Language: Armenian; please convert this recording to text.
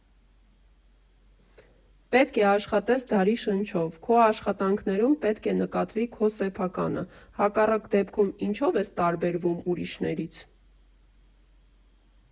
Պետք է աշխատես դարի շնչով, քո աշխատանքներում պետք է նկատվի քո սեփականը, հակառակ դեպքում՝ ինչո՞վ ես տարբերվում ուրիշներից։